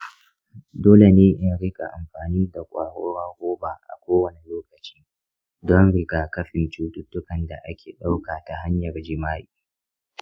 dole ne in riƙa amfani da kwaroron roba a kowane lokaci don riga-kafin cututtukan da ake ɗauka ta hanyar jima'i?